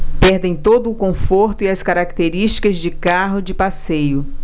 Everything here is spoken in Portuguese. perdem todo o conforto e as características de carro de passeio